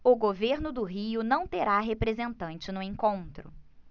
o governo do rio não terá representante no encontro